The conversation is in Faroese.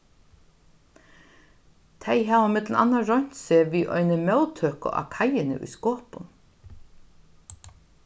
tey hava millum annað roynt seg við eini móttøku á kaiini í skopun